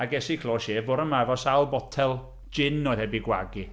A ges i close shave bore 'ma efo sawl botel gin oedd heb eu gwagu.